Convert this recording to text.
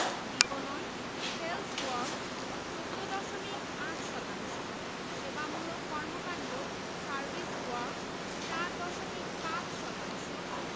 শক্তির উৎসঃ কাঠ খড়ি বা লাকড়ি প্রাকৃতিক গ্যাস পেট্রোলিয়াম কয়লা জলবিদ্যুৎ সৌরশক্তি বায়োগ্যাস ইত্যাদি